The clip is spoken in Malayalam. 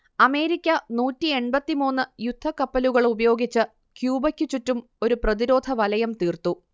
അമേരിക്ക നൂറ്റിയെൺപത്തി മൂന്ന് യുദ്ധക്കപ്പലുകളുപയോഗിച്ച് ക്യൂബക്കു ചുറ്റും ഒരു പ്രതിരോധവലയം തീർത്തു